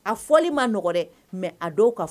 A fɔli ma nɔgɔ dɛ mɛ a dɔw ka